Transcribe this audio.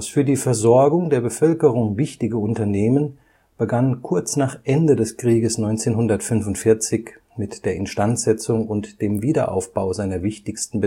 für die Versorgung der Bevölkerung wichtige Unternehmen begann kurz nach Ende des Krieges 1945 mit der Instandsetzung und dem Wiederaufbau seiner wichtigsten